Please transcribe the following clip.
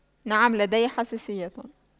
نعم لدي حساسية